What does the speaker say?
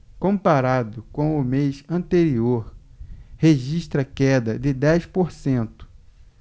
comparado com o mês anterior registra queda de dez por cento